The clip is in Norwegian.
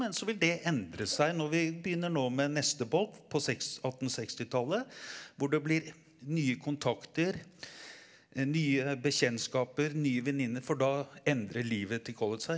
men så vil det endre seg når vi begynner nå med neste bolk på seks attensekstitallet hvor det blir nye kontakter, nye bekjentskaper, nye venninner, for da endrer livet til Collett seg.